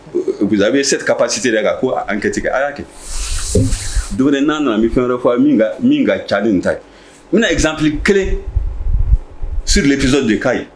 Euh vous avez cette capacité yɛrɛ ka kow enquête kɛ a y'a kɛ don wɛrɛ n'a' nana n be fɛn wɛrɛ fɔ a' ye min ka min ka ca ni nin ta ye n bena exemple 1 sur l'épisode de Kayes